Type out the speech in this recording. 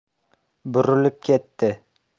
burilib ketdi